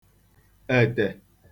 ètè